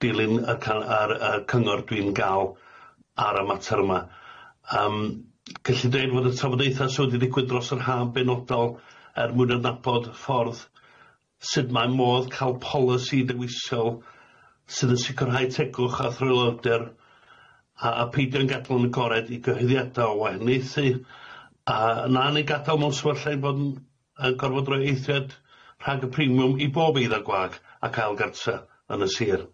dilyn y ca- yr y cyngor dwi'n ga'l ar y mater yma yym gellu deud fod y trafodaetha sy wedi ddigwydd dros yr ha'n benodol er mwyn adnabod ffordd sud mae modd ca'l polisi dewisol sydd yn sicrhau tegwch a thrylwyder a a peidio ein gadal yn agored i gyhoeddiada o wahanieithu a na'n ein gadal mewn sefyllfa ein fod yn yy gorfod roi eithiad rhag y premiwm i bob eiddo gwag ac ail gartre yn y sir.